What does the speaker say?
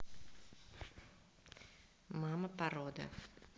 мама порода